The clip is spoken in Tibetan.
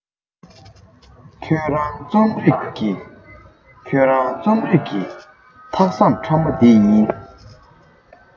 ཁྱོད རང རྩོམ རིག གི ཁྱོད རང རྩོམ རིག གི ཐག ཟམ ཕྲ མོ དེ ཡིན